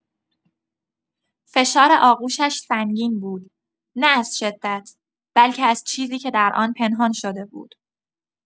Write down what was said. فشار آغوشش سنگین بود، نه از شدت، بلکه از چیزی که در آن پنهان شده بود.